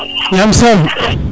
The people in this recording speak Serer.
jam som